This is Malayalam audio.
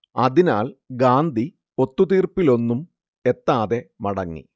അതിനാൽ ഗാന്ധി ഒത്തുതീർപ്പിലൊന്നും എത്താതെ മടങ്ങി